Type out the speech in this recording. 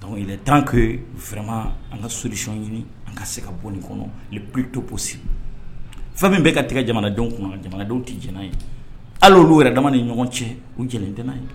Donc, il est temps que an ka solution ɲini an ka se ka bɔ nin kɔnɔ le plus tôt possible fɛn min bɛ ka tigɛ jamanadenw kun na jamanadenw tɛ diɲɛ n’a ye, hal’u yɛrɛ dama ni ɲɔgɔn cɛ u diɲɛnen tɛ n'a ye